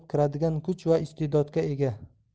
kiradigan kuch va iste'dodga ega